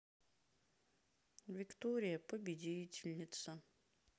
виктория победительница